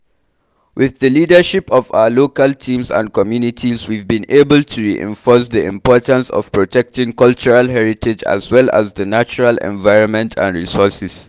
With the leadership of our local teams and communities we’ve been able to reinforce the importance of protecting cultural heritage as well as the natural environment and resources.